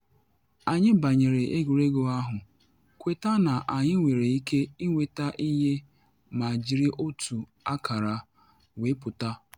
“Anyị banyere egwuregwu ahụ kwete na anyị nwere ike ịnwete ihe ma jiri otu akara wee pụta.